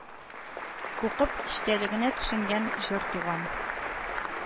Укып, эчтәлегенә төшенгән, җыр туган